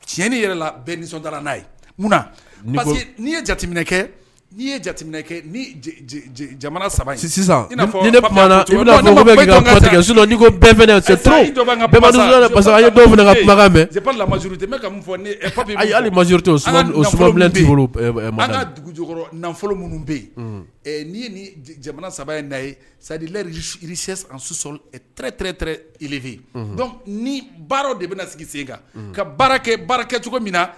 Tiɲɛɲɛni yɛrɛ la bɛn nisɔn n'a ye munna ni ye jatekɛi jateminɛ kɛ ni jamana saba sisan kalatɛ ka fɔ ayi hali mazte makan dugukɔrɔ nafolo minnu bɛ yen n'i ye nin jamana saba ye da ye sadilasɔc ni baara de bɛna sigi sen kan ka baara kɛ baara kɛ cogo min na